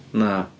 Na.